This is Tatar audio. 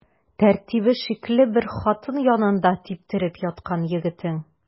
Тәртибе шикле бер хатын янында типтереп яткан егетең.